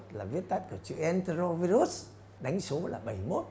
là viết tắt của chữ en tơ rô vi rút đánh số là bảy mốt